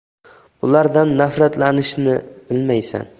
bulardan nafratlanishni bilmaysan